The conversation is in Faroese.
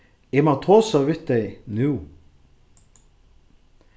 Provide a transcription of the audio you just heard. eg má tosa við tey nú